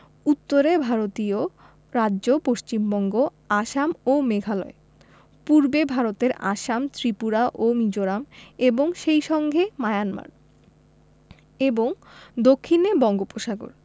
উত্তরে ভারতীয় রাজ্য পশ্চিমবঙ্গ আসাম ও মেঘালয় পূর্বে ভারতের আসাম ত্রিপুরা ও মিজোরাম এবং সেই সঙ্গে মায়ানমার এবং দক্ষিণে বঙ্গোপসাগর